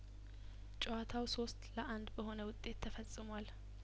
ጨዋታው ሶስት ለአንድ በሆነ ውጤት ተፈጽሟል